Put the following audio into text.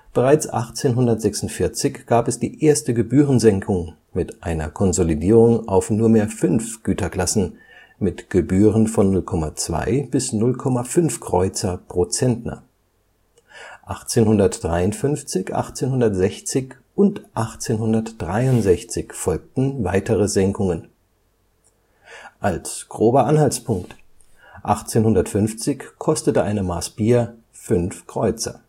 Bereits 1846 gab es die erste Gebührensenkung mit einer Konsolidierung auf nur mehr 5 Güterklassen mit Gebühren von 0,2 bis 0,5 Kreuzer pro Zentner, 1853, 1860 und 1863 folgten weitere Senkungen. Als grober Anhaltspunkt: 1850 kostete eine Maß Bier 5 Kreuzer